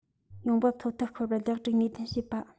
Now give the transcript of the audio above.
ཡོང འབབ མཐོ ཐལ ཤོར བར ལེགས སྒྲིག ནུས ལྡན བྱེད པ